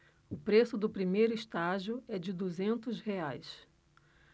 o preço do primeiro estágio é de duzentos reais